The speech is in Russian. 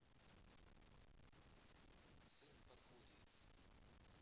сын подходит